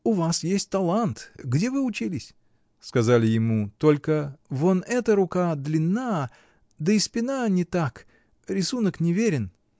— У вас есть талант, где вы учились? — сказали ему, — только. вон эта рука длинна. да и спина не так. рисунок не верен!